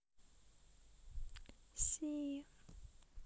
si